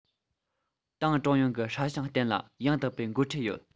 ཏང ཀྲུང དབྱང གི སྲ ཞིང བརྟན ལ ཡང དག པའི འགོ ཁྲིད ཡོད